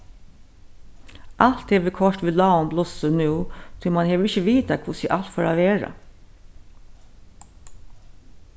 alt hevur koyrt við lágum blussi nú tí mann hevur ikki vitað hvussu alt fór at verða